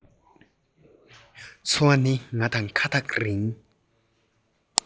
འཚོ བ ནི ང དང ཁ ཐག རིང